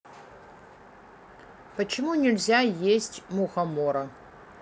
почему нельзя есть мухомора